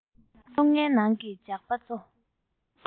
གློག བརྙན ནང གི ཇག པ ཚོ